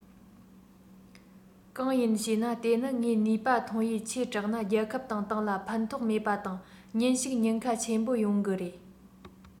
གང ཡིན ཞེ ན དེ ནི ངས ནུས པ ཐོན ཡས ཆེ དྲགས ན རྒྱལ ཁབ དང ཏང ལ ཕན ཐོགས མེད པ དང ཉིན ཞིག ཉེན ཁ ཆེན པོ ཡོང གི རེད